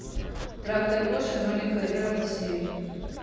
трактор гоша и маленькая вера бассейн